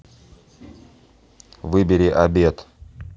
выбери обед